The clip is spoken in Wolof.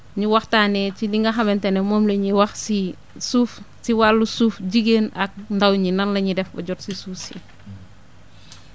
ñu waxtaanee ci li nga xamante ne moom la ñuy wax si suuf si wàllu suuf jigéen ak ndaw ñi nan la ñuy def ba jot ci suuf si